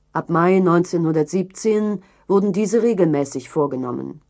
Ab Mai 1917 wurden diese regelmäßig vorgenommen